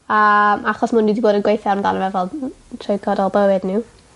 A achos ma' n'w 'di bod yn gweithio amdano fe fel trwy gydol bywyd n'w.